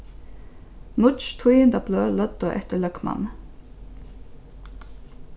nýggj tíðindabløð løgdu eftir løgmanni